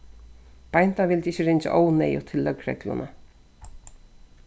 beinta vildi ikki ringja óneyðugt til løgregluna